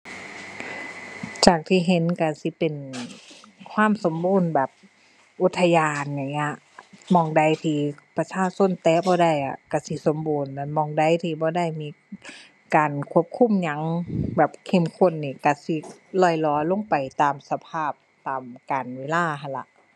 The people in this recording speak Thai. จากที่เห็นก็สิเป็นความสมบูรณ์แบบอุทยานอย่างเนี้ย หม้องใดที่ประชาชนแตะบ่ได้อะก็สิสมบูรณ์ อั่น หม้องใดที่บ่ได้มีการควบคุมหยัง แบบเข้มข้นนี่ก็สิร่อยหรอลงไปตามสภาพ ตามกาลเวลาหั้นล่ะ